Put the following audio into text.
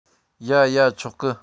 ཡ ཡ ཆོག གི